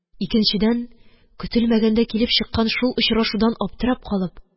Икенчедән, көтелмәгәндә килеп чыккан шул очрашудан аптырап калып